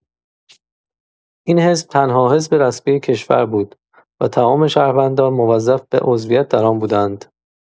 این حزب تنها حزب رسمی کشور بود و تمام شهروندان موظف به عضویت در آن بودند.